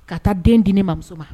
Ka taa den di ne ma muso ma